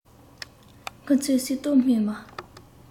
མཁུར ཚོས སིལ ཏོག སྨིན མ